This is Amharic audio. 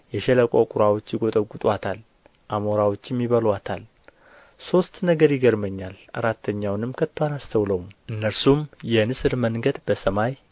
የሸለቆ ቍራዎች ይጐጠጕጡአታል አሞራዎችም ይበሉአታል ሦስት ነገር ይገርመኛል አራተኛውንም ከቶ አላስተውለውም እነርሱም የንስር መንገድ በሰማይ